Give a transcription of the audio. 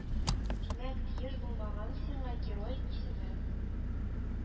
Димәк, тиеш булмаган сиңа Герой исеме